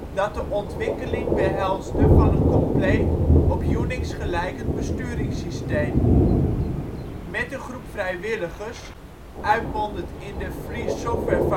dat de ontwikkeling behelsde van een compleet, op Unix gelijkend besturingssysteem. Met een groep vrijwilligers, uitmondend in de Free Software